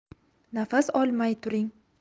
nafas olmay turing